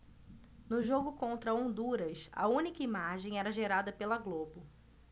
no jogo contra honduras a única imagem era gerada pela globo